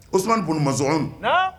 Os bo mazɔn